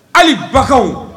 Hali bagaw